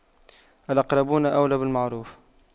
الأقربون أولى بالمعروف